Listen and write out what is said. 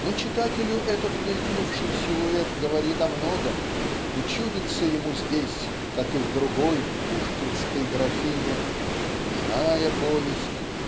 но читателю этот мелькнувший силуэт говорит о многом и чудится ему здесь как и в другой пушкинской графине "иная повесть